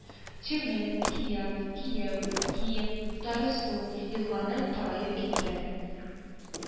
Тюмень); Кияб – Кияү (Киев); Тары су (елганың тараеп киткән